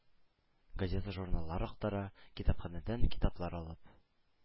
Газета-журналлар актара, китапханәдән китаплар алып